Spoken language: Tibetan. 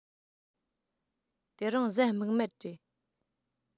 དེ རིང གཟའ མིག དམར རེད